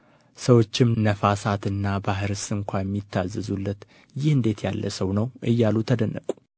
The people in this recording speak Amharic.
ሰዎቹም ነፋሳትና ባሕርስ ስንኳ የሚታዘዙለት ይህ እንዴት ያለ ሰው ነው እያሉ ተደነቁ